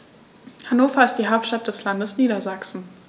Hannover ist die Hauptstadt des Landes Niedersachsen.